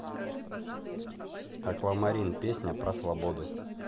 аквамарин песня про свободу